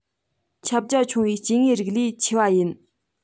ཁྱབ རྒྱ ཆུང བའི སྐྱེ དངོས རིགས ལས ཆེ བ ཡིན